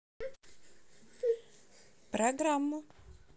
программу